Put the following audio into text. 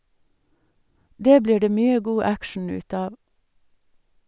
Det blir det mye god action ut av!